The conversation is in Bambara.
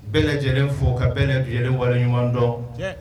Bɛɛ lajɛ lajɛlenlen fo ka bɛɛ lajɛlenele wariɲuman dɔn